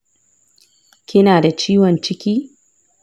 kina da ciwon ciki